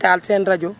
taal seen rajo